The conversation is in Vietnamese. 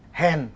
hèn